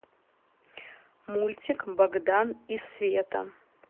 мультик богдан и света